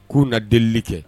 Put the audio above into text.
K'u na delielili kɛ